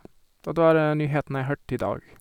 Dette var nyheten jeg hørte i dag.